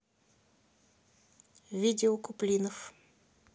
видео куплинов